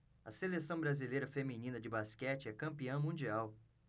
a seleção brasileira feminina de basquete é campeã mundial